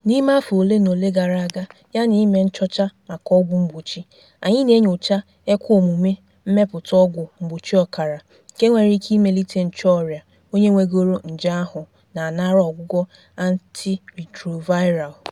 PG: N'ime afọ ole na ole gara aga, yana ime nchọcha maka ọgwụ mgbochi, anyị na-enyocha ekweomume mmepụta ọgwụ mgbochi ọkara, nke nwere ike imelite ncheọria onye nwegoro nje ahụ na-anara ọgwụgwọ antiretroviral.